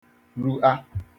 ru'a